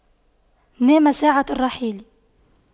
نام ساعة الرحيل